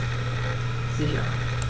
Sicher.